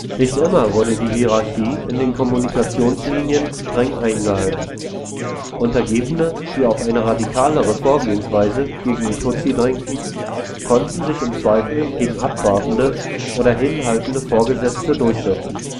Nicht immer wurde die Hierarchie in den Kommunikationslinien streng eingehalten. Untergebene, die auf eine radikalere Vorgehensweise gegen Tutsi drängten, konnten sich im Zweifel gegen abwartende oder hinhaltende Vorgesetzte durchsetzen